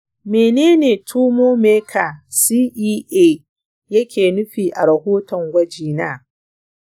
menene tumor marker cea yake nufi a rahoton gwajina?